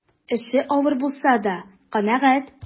Эше авыр булса да канәгать.